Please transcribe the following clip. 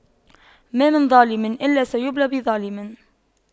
ما من ظالم إلا سيبلى بظالم